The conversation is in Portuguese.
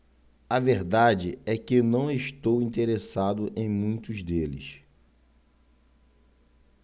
a verdade é que não estou interessado em muitos deles